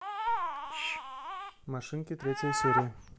машинки третья серия